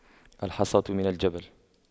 الحصاة من الجبل